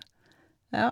Ja.